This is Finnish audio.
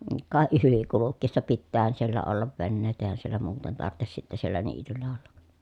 ka yli kulkiessa pitäähän siellä olla veneet eihän siellä muuten tarvitsisi sitten siellä niityllä olla